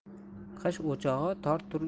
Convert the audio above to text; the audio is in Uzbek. qish o'chog'i tor